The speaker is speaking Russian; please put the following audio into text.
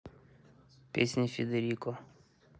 песня федерико